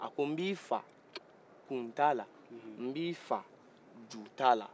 a ko b'i faa kun tala b'i faa ju tala